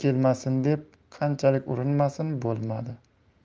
kelmasin deb qanchalik urinmasin bo'lmadi